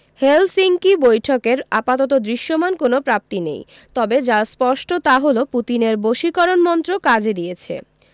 Helsinki বৈঠকের আপাতত দৃশ্যমান কোনো প্রাপ্তি নেই তবে যা স্পষ্ট তা হলো পুতিনের বশীকরণ মন্ত্র কাজ দিয়েছে